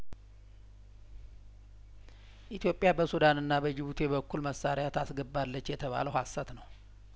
ኢትዮጵያ በሱዳንና በጅቡቲ በኩል መሳሪያ ታስገባለች የተባለው ሀሰት ነው